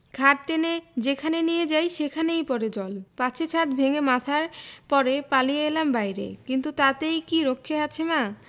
খাট টেনে যেখানে নিয়ে যাই সেখানেই পড়ে জল পাছে ছাত ভেঙ্গে মাথায় পড়ে পালিয়ে এলাম বাইরে কিন্তু তাতেই কি রক্ষে আছে মা